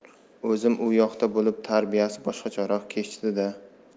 o'zim u yoqda bo'lib tarbiyasi boshqacharoq kechdi da